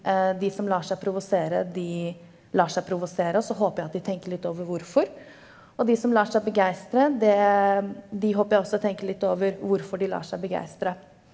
de som lar seg provosere, de lar seg provosere, og så håper jeg at de tenker litt over hvorfor, og de som lar seg begeistre det de håper jeg også tenker litt over hvorfor de lar seg begeistre.